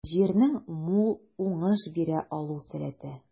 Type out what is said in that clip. Җирнең мул уңыш бирә алу сәләте.